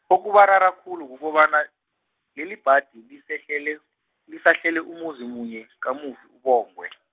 okubarara khulu kukobana, lelibhadi lisehlele, lisahlele umuzi munye, kamufi uBongwe .